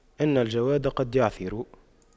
إن الجواد قد يعثر